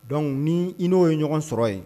Donc ni i n'o ye ɲɔgɔn sɔrɔ ye